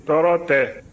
tɔɔrɔ tɛ